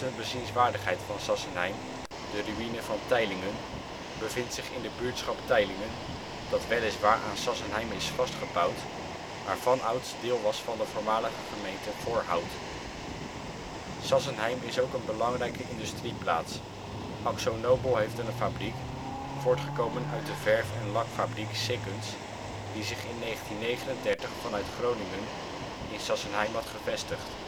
bezienswaardigheid van Sassenheim, de ruïne van Teijlingen, bevindt zich in de buurtschap Teijlingen, dat weliswaar aan Sassenheim is vastgebouwd, maar vanouds deel was van de voormalige gemeente Voorhout. Sassenheim is ook een belangrijke industrieplaats: AkzoNobel heeft er een fabriek, voortgekomen uit de verf - en lakfabriek Sikkens, die zich in 1939 vanuit Groningen in Sassenheim had gevestigd